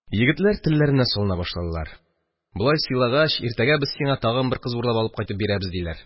Егетләр телләренә салына башладылар, болай сыйлагач, иртәгә без сиңа тагын бер кыз урлап алып кайтып бирәбез, диләр.